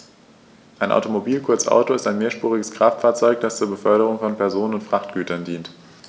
Ein Automobil, kurz Auto, ist ein mehrspuriges Kraftfahrzeug, das zur Beförderung von Personen und Frachtgütern dient.